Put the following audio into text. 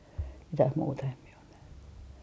mitään muuta en minä ole nähnyt